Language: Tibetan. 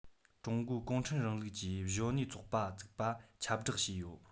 ཀྲུང གོ གུང ཁྲན རིང ལུགས ཀྱི གཞོན ནུ ཚོགས པ བཙུགས པ ཁྱབ བསྒྲགས བྱས ཡོད